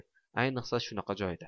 ayniqsa shunaqa joyda